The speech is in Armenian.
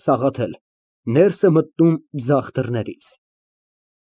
ՍԱՂԱԹԵԼ ֊ (Ներս է մտնում ձախ դռներից)։